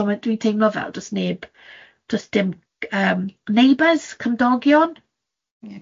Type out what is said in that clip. So ma' dwi'n teimlo fel does neb does dim c- yym neighbours, cymdogion?